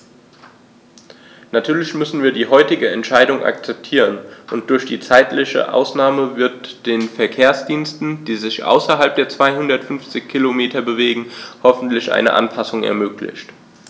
Natürlich müssen wir die heutige Entscheidung akzeptieren, und durch die zeitliche Ausnahme wird den Verkehrsdiensten, die sich außerhalb der 250 Kilometer bewegen, hoffentlich eine Anpassung ermöglicht.